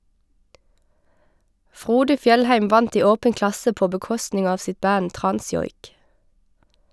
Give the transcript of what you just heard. Frode Fjellheim vant i Åpen klasse på bekostning av sitt band Transjoik.